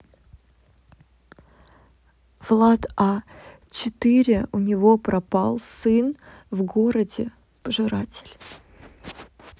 влад а четыре у него пропал сын в городе пожиратель